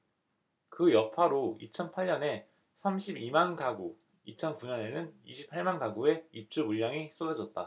그 여파로 이천 팔 년에 삼십 이 만가구 이천 구 년에는 이십 팔 만가구의 입주물량이 쏟아졌다